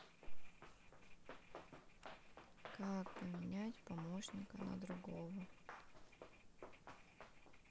как поменять помощника на другого